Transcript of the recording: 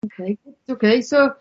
Oce. Oce so.